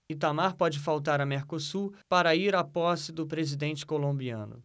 itamar pode faltar a mercosul para ir à posse do presidente colombiano